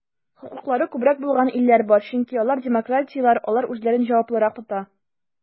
Хокуклары күбрәк булган илләр бар, чөнки алар демократияләр, алар үзләрен җаваплырак тота.